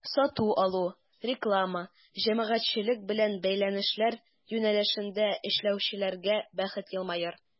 Сату-алу, реклама, җәмәгатьчелек белән бәйләнешләр юнәлешендә эшләүчеләргә бәхет елмаер.